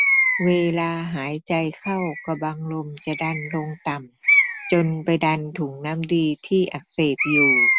เวลาหายใจเข้ากะบังลมจะดันลงต่ำจนไปดันถุงน้ำดีที่อักเสบอยู่